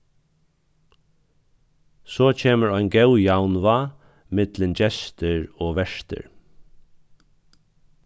so kemur ein góð javnvág millum gestir og vertir